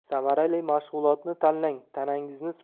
samarali mashg'ulotni tanlang tanangizni